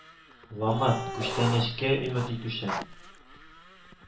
Ломат, күчтәнәч кә өмет итүчән